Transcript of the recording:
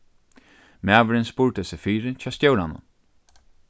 maðurin spurdi seg fyri hjá stjóranum